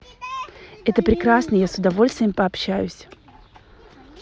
это прекрасно я с удовольствием пообщаюсь